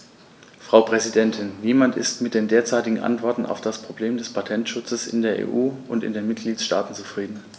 Frau Präsidentin, niemand ist mit den derzeitigen Antworten auf das Problem des Patentschutzes in der EU und in den Mitgliedstaaten zufrieden.